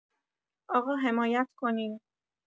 آقا حمایت کنین